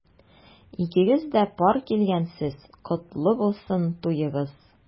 Икегез дә пар килгәнсез— котлы булсын туегыз!